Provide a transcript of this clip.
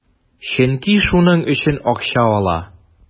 Чөнки шуның өчен акча ала.